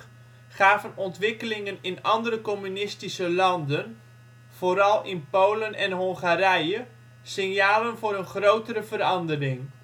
gaven ontwikkelingen in andere communistische landen, vooral in Polen en Hongarije, signalen voor een grotere verandering